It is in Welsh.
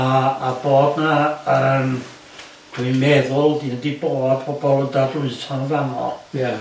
A a bod 'na yym... Dwi'n meddwl bod pobol yn dadlwytho'n fan 'na... Ia.